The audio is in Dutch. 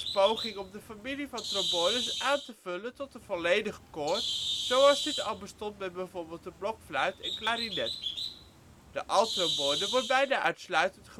poging om de familie van trombones aan te vullen tot een volledig ' koor ' zoals dit al bestond bij bijvoorbeeld de blokfluit en klarinet. De alttrombone wordt bijna uitsluitend